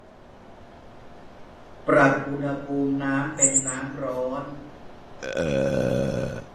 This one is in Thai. ปรับอุณหภูมิน้ำเป็นน้ำร้อน